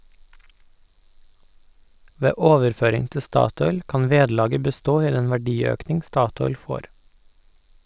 Ved overføring til Statoil kan vederlaget bestå i den verdiøkning Statoil får.